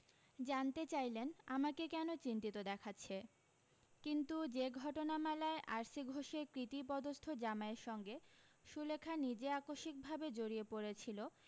জানতে চাইলেন আমাকে কেন চিন্তিত দেখাচ্ছে কিন্তু যে ঘটনামালায় আর সি ঘোষের কৃতী পদস্থ জামাইয়ের সঙ্গে সুলেখা নিজে আকস্মিকভাবে জড়িয়ে পড়েছিল